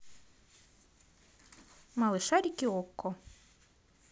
малышарики окко